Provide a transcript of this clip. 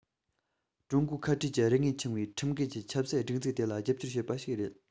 ཀྲུང གོ ཁ ཕྲལ གྱི རེ ངན འཆང བའི ཁྲིམས འགལ གྱི ཆབ སྲིད སྒྲིག འཛུགས དེ ལ རྒྱབ སྐྱོར བྱེད པ ཞིག རེད